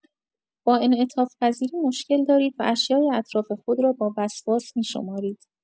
با انعطاف‌پذیری مشکل دارید و اشیای اطراف خود را با وسواس می‌شمارید.